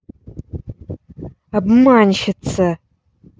обманщица